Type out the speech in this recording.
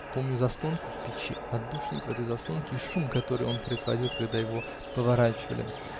Помню заслонку в печи, отдушник в этой заслонке и шум, который он производил, когда его поворачивали.